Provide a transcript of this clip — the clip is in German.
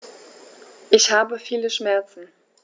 Ich habe viele Schmerzen.